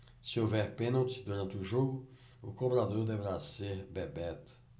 se houver pênalti durante o jogo o cobrador deverá ser bebeto